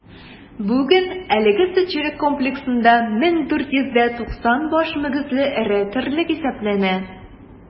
Бүген әлеге сөтчелек комплексында 1490 баш мөгезле эре терлек исәпләнә.